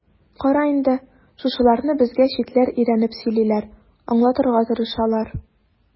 Кара инде, шушыларны безгә читләр өйрәнеп сөйлиләр, аңлатырга тырышалар.